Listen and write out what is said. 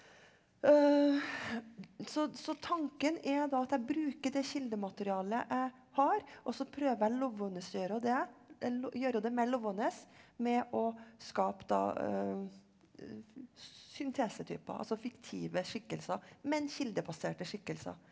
så så tanken er da at jeg bruker det kildematerialet jeg har, og så prøver jeg å levendegjøre det gjøre det mer levende med å skape da syntesetyper altså fiktive skikkelser men kildebasert skikkelser.